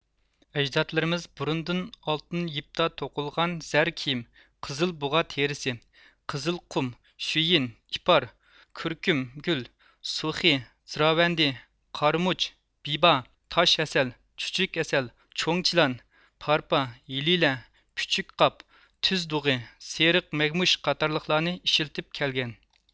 ئەجدادلىرىمىز بۇرۇندىن ئالتۇن يىپتا توقۇلغان زەر كىيىم قىزىل بۇغا تېرىسى قىزىل قۇم شۈييىن ئىپار كۈركۈم گۈل سۇخې زىراۋەندى قارامۇچ بىبا تاش ھەسەل چۈچۈك ھەسەل چوڭ چىلان پارپا ھېلىلە پۈچۈك قاپ تۈز دۇغى سېرىق مەرگىمۇش قاتارلىقلارنى ئىشلىتىپ كەلگەن